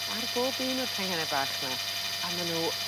ar bob un o'r canghene bach 'ma a ma' n'w